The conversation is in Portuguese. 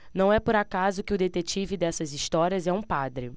não é por acaso que o detetive dessas histórias é um padre